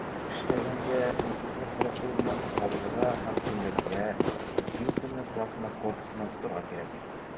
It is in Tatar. Эшләгәндә, үтүкне коры кул белән кабызырга һәм сүндерергә, вилканы пластмасс корпусыннан тотарга кирәк.